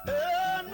Ɛɛ